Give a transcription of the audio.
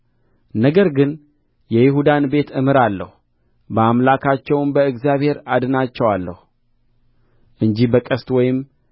ነገር ግን የይሁዳን ቤት እምራለሁ በአምላካቸውም በእግዚአብሔር አድናቸዋለሁ እንጂ በቀስት ወይም